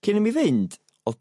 Cyn i mi fynd o'dd...